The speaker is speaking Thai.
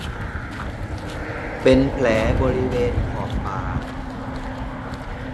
เป็นแผลบริเวณขอบปาก